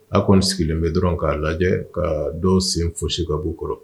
Aw kɔni sigilen bɛ dɔrɔn k'a lajɛ ka dɔw sen fosi ka b'u kɔrɔ